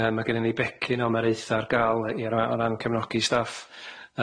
Yym ma' gennyn ni becyn o mareitha ar ga'l i ar ran cefnogi staff.